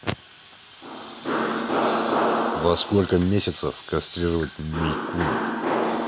во сколько месяцев кастрировать мейкунов